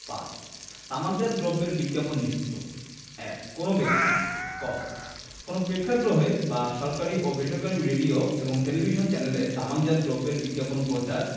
৫ তামাকজপাত দ্রব্যের বিজ্ঞাপন নিষিদ্ধঃ ১ কোন ব্যক্তিঃ ক কোন প্রেক্ষগ্রহে বা সরকারী ও বেসরকারী রেডিও এবং টেলিভিশন চ্যানেলে তামাকজাত দ্রব্যের বিজ্ঞাপন প্রচার